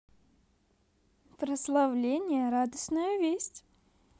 прославление радостная весть